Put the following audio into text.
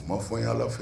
Kuma fɔ n y' ala lafi fɛ